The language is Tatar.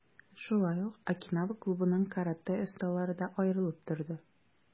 Шулай ук, "Окинава" клубының каратэ осталары да аерылып торды.